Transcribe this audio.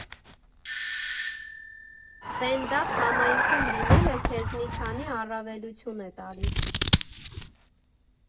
Սթենդափ համայնքում լինելը քեզ մի քանի առավելություն է տալիս։